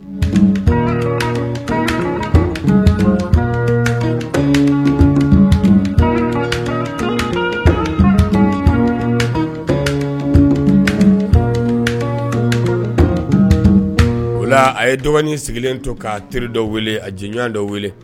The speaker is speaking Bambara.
Wala a ye dɔgɔnin sigilen to ka teri dɔ weele a ji dɔ weele